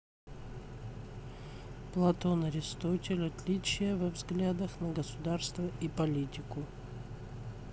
платон аристотель отличие во взглядах на государство и политику